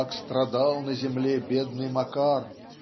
как страдал на земле бедный Макар